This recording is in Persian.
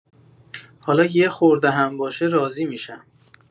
حالا یه خورده هم باشه راضی می‌شم